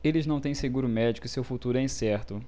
eles não têm seguro médico e seu futuro é incerto